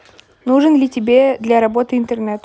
нужен ли тебе для работы интернет